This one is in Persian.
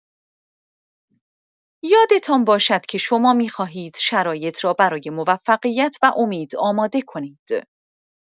یادتان باشد که شما می‌خواهید شرایط را برای موفقیت و امید آماده کنید.